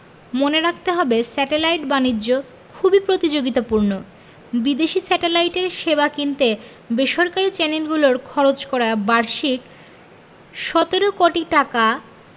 মনে রাখতে হবে স্যাটেলাইট বাণিজ্য খুবই প্রতিযোগিতাপূর্ণ বিদেশি স্যাটেলাইটের সেবা কিনতে বেসরকারি চ্যানেলগুলোর খরচ করা বার্ষিক ১৭ কোটি টাকা